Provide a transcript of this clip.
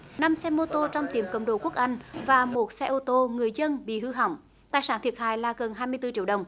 năm xe mô tô trong tiệm cầm đồ quốc anh và một xe ô tô người dân bị hư hỏng tài sản thiệt hại là gần hai mươi tư triệu đồng